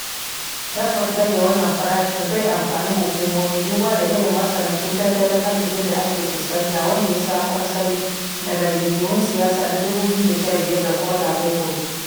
Tabbas rage wannan farashin zai amfani hukumomi, duba da irin matsanancin tattalin arzikin da ake fuskanta, wanda ya samo asali daga rigingimun siyasa na 2015 da kuma takunkumi.